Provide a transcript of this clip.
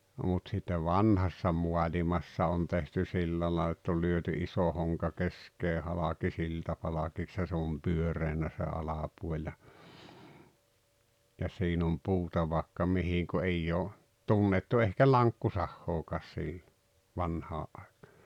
mutta sitten vanhassa maailmassa on tehty sillä lailla että oli lyöty iso honka keskeen halki siltapalkiksi ja se on pyöreänä se alapuoli ja ja siinä on puuta vaikka mihin kun ei ole tunnettu ehkä lankkusahaakaan silloin vanhaan aikaan